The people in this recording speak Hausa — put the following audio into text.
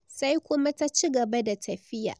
Sai kuma ta cigaba da tafiya.